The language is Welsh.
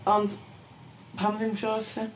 Ond pam ddim siorts, ia?